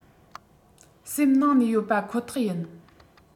སེམས ནང ནས ཡོད པ ཁོ ཐག ཡིན